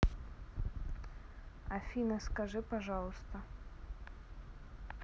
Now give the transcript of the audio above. афина скажи пожалуйста